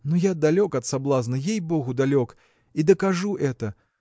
но я далек от соблазна, ей-богу, далек, и докажу это